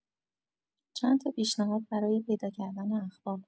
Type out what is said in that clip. چند تا پیشنهاد برای پیدا کردن اخبار